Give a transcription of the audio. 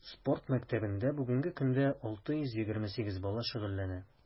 Спорт мәктәбендә бүгенге көндә 628 бала шөгыльләнә.